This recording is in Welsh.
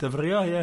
Dyfrio, ie.